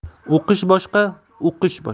o'qish boshqa uqish boshqa